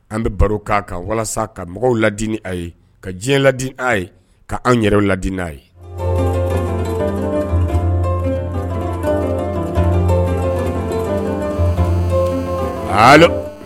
An bɛ baro'a kan walasa ka mɔgɔw ladiini a ye ka diɲɛ ladi a ye kaan yɛrɛw ladi a yeaa